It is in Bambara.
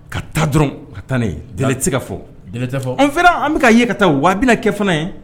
Ka taa dɔrɔn ka taa ne jala tɛ se ka fɔ tɛ fɔ an fana an bɛka ka ye ka taa wa bɛna kɛ fana ye